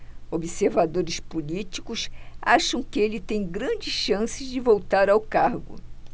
observadores políticos acham que ele tem grandes chances de voltar ao cargo